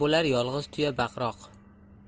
bo'lar yolg'iz tuya baqiroq